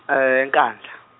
eNkandla.